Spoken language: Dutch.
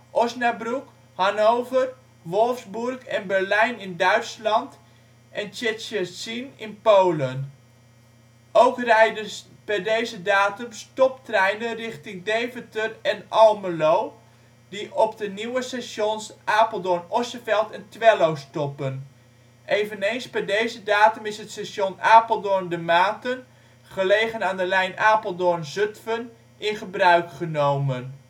Osnabrück, Hannover, Wolfsburg en Berlijn in Duitsland en Szczecin in Polen. Ook rijden per deze datum stoptreinen richting Deventer en Almelo, die op de nieuwe stations Apeldoorn-Osseveld en Twello stoppen. Eveneens per deze datum is het Station Apeldoorn De Maten, gelegen aan de lijn Apeldoorn - Zutphen, in gebruik genomen